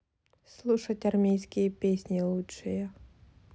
слушать армейские песни лучшие